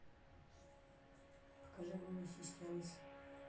покажи голые сиськи алиса